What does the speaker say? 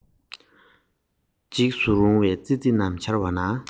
འཇིགས སུ རུང བའི ཙི ཙི དག འཆར བ ན